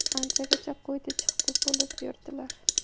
anchagacha qo'ydi chiqdi bo'lib yurdilar